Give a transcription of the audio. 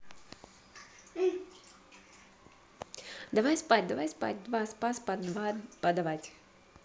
давай спать давай спать два спас под два подавать